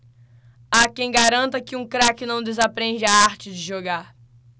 há quem garanta que um craque não desaprende a arte de jogar